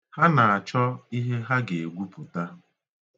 Ha na-achọ ihe ga-egwupụta.